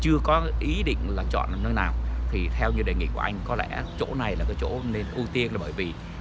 chưa có ý định là chọn nơi nào thì theo như đề nghị của anh có lẽ chỗ này là cái chỗ nên ưu tiên là bởi vì